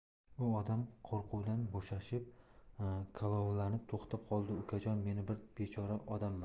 u odam qo'rquvdan bo'shashib kalovlanib to'xtab qoldi ukajon men bir bechora odamman